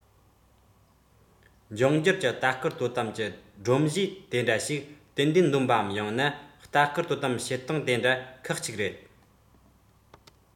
འབྱུང འགྱུར གྱི ལྟ སྐུལ དོ དམ གྱི སྒྲོམ གཞིའི དེ འདྲ ཞིག ཏན ཏན འདོན པའམ ཡང ན ལྟ སྐུལ དོ དམ བྱེད སྟངས དེ འདྲ ཁག གཅིག རེད